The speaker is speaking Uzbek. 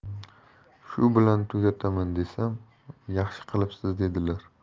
shu bilan tugataman desam 'yaxshi qilibsiz' dedilar